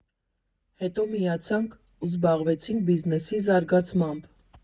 Հետո միացանք ու զբաղվեցի բիզնեսի զարգացմամբ։